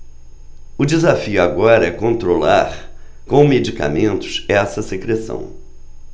o desafio agora é controlar com medicamentos essa secreção